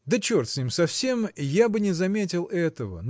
Да черт с ним совсем, я бы не заметил этого